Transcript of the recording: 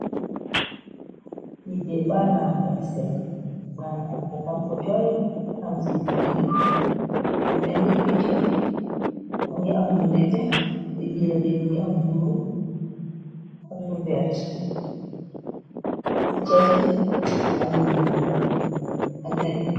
Liidée baanaar ngay seen baanaar bokkon ko cooy am ci digg li lu melle picc mo ngi am lu nette ci biira birma ngi am buru ak lu verte ci cati am lu ñuur ak nette.